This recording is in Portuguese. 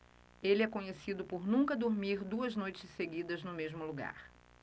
ele é conhecido por nunca dormir duas noites seguidas no mesmo lugar